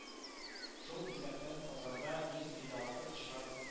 Шул исәптән, Казанда йөз илле алты очрак